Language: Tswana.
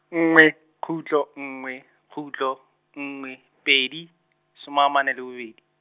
nngwe, khutlo nngwe, khutlo, nngwe, pedi, some amane le bobedi.